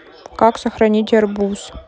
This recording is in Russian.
как сохранить арбуз